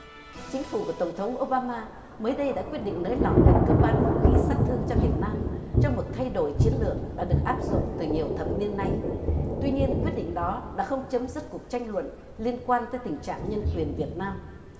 chính phủ của tổng thống ô ba ma mới đây đã quyết định nới lỏng lệnh cấm bán vũ khí sát thương cho việt nam trong một thay đổi chiến lược đã được áp dụng từ nhiều thập niên nay tuy nhiên quyết định đó đã không chấm dứt cuộc tranh luận liên quan tới tình trạng nhân quyền việt nam